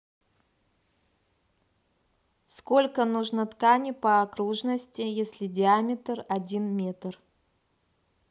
сколько нужно ткани по окружности если диаметр один метр